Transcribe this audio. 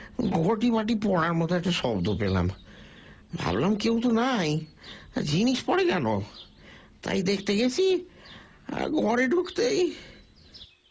ঘটিবাটি পড়ার মতো একটা শব্দ পেলাম ভাবলাম কেউ তো নাই তা জিনিস পড়ে কেন তাই দেখতে গেছি আর ঘরে ঢুকতেই